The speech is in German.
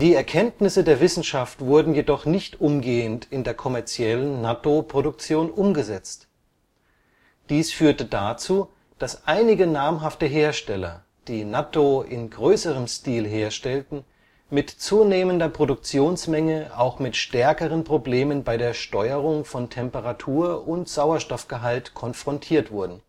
Erkenntnisse der Wissenschaft wurden jedoch nicht umgehend in der kommerziellen Nattō-Produktion umgesetzt. Dies führte dazu, dass einige namhafte Hersteller, die Nattō in größerem Stil herstellten, mit zunehmender Produktionsmenge auch mit stärkeren Problemen bei der Steuerung von Temperatur und Sauerstoffgehalt konfrontiert wurden